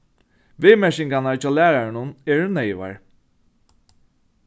viðmerkingarnar hjá læraranum eru neyvar